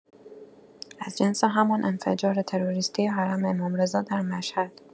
از جنس همان انفجار تروریستی حرم امام‌رضا در مشهد